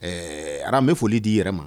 Ɛɛ bɛ foli d dii yɛrɛ ma